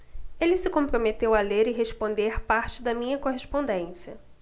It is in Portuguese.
ele se comprometeu a ler e responder parte da minha correspondência